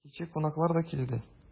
Кичә кунаклар да килде.